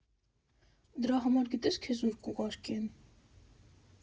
«Դրա համար գիտե՞ս քեզ ուր կուղարկեին»։